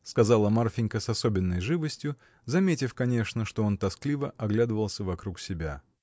— сказала Марфинька с особенной живостью, заметив, конечно, что он тоскливо оглядывался вокруг себя.